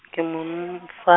ke monn- fa-.